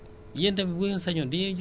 ma ne leen waaw man kay bu ma sañoon